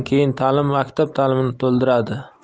keyin ta'lim maktab ta'limini to'ldiradi